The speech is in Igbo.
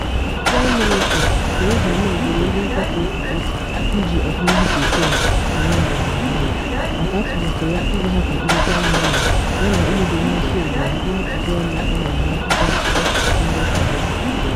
Praịm Minista Theresa May boro ndị nkatọ ebubo iji ọdịnihu Britain “eme ndọrọndọrọ” maka atụmatụ ya iji hapụ European Union yana imebi mmasị obodo n’ajụjụ ọnụ emere n’akwụkwọ akụkọ Sunday Times.